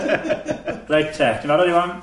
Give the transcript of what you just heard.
Reit te, ti'n barod Iwan?